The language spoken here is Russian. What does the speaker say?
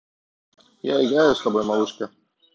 я играю с тобой малышка